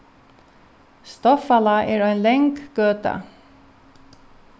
stoffalág er ein lang gøta